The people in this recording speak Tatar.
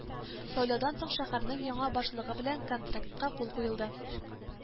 Сайлаудан соң шәһәрнең яңа башлыгы белән контрактка кул куелды